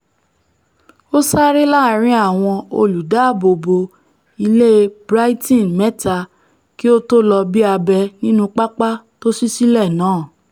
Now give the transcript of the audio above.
Ó sáré láàrin àwọn olùdáààbòbò ilé Brighton mẹ́ta kí ó tó lọ bí abẹ nínú pápá tósí sílẹ̀ náà.